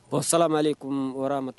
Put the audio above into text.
Bon salamalen ko wɔɔrɔ matu